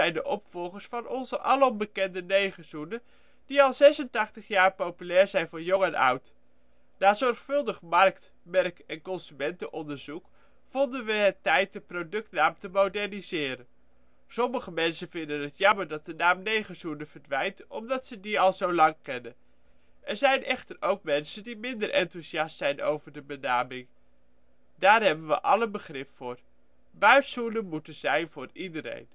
de opvolgers van onze alom bekende negerzoenen, die al 86 jaar populair zijn bij jong en oud. Na zorgvuldig markt -, merk -, en consumentenonderzoek vonden we het tijd de productnaam te moderniseren. Sommige mensen vinden het jammer dat de naam negerzoenen verdwijnt, omdat ze die al zo lang kennen. Er zijn echter ook mensen die minder enthousiast zijn over de benaming. Daar hebben we alle begrip voor. Buys Zoenen moeten zijn voor iedereen